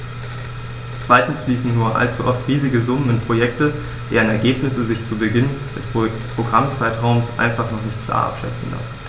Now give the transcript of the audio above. Zweitens fließen nur allzu oft riesige Summen in Projekte, deren Ergebnisse sich zu Beginn des Programmzeitraums einfach noch nicht klar abschätzen lassen.